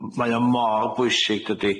m- mae o mor bwysig dydi?